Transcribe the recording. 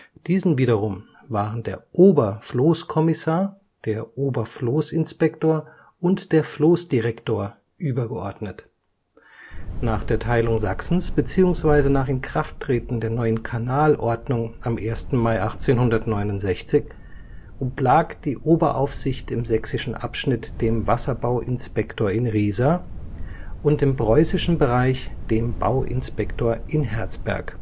Diesem wiederum waren der Oberfloßkommissar, der Oberfloßinspektor und der Floßdirektor übergeordnet. Nach der Teilung Sachsens beziehungsweise nach Inkrafttreten der neuen Kanalordnung am 1. Mai 1869 oblag die Oberaufsicht im sächsischen Abschnitt dem Wasserbauinspektor in Riesa und im preußischen Bereich dem Bauinspektor in Herzberg